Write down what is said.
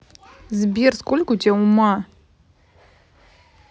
сбер сколько у тебя ума